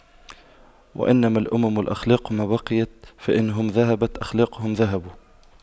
وإنما الأمم الأخلاق ما بقيت فإن هم ذهبت أخلاقهم ذهبوا